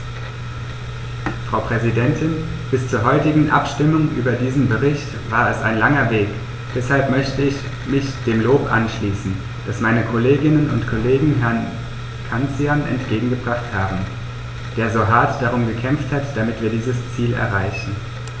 Frau Präsidentin, bis zur heutigen Abstimmung über diesen Bericht war es ein langer Weg, deshalb möchte ich mich dem Lob anschließen, das meine Kolleginnen und Kollegen Herrn Cancian entgegengebracht haben, der so hart darum gekämpft hat, damit wir dieses Ziel erreichen.